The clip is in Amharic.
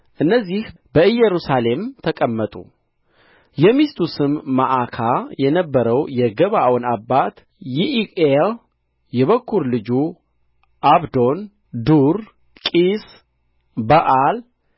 እነዚህ በኢየሩሳሌም ተቀመጡ የሚስቱ ስም መዓካ የነበረው የገባዖን አባት ይዒኤል የበኵር ልጁ ዓብዶን ዱር ቂስ በኣል